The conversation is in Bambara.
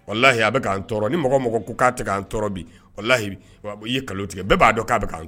O lahi a bɛ k tɔɔrɔ ni mɔgɔ mɔgɔ ko k'a tigɛ bi layi' kalo tigɛ bɛɛ b'a dɔn k'a bɛ